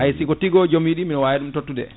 haysigo tigo jomum yiiɗi biɗa wawi ɗum tottude